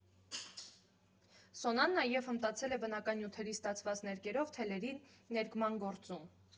Սոնան նաև հմտացել է բնական նյութերից ստացված ներկերով թելերի ներկման գործում։